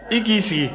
i k'i sigi